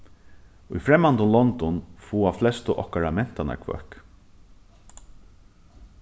í fremmandum londum fáa flestu okkara mentanarhvøkk